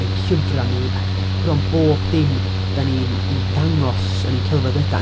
ein llyfra ni, ac bron bob dim dan ni'n 'i ddangos yn ein celfyddydau...